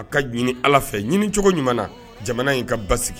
A ka ɲini ala fɛ ɲinicogo ɲuman jamana in ka ba sigi